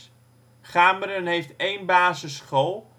Gameren heeft één basisschool